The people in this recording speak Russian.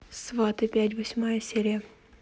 сваты пять восьмая серия